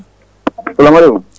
salamu aleykum